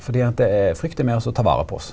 fordi at frykt er med også ta vare på oss.